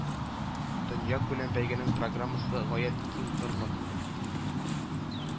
Дөньякүләм бәйгенең программасы гаять киңкырлы